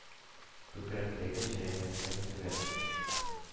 Күкрәктәге җәрәхәттән түгел,